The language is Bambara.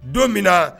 Don min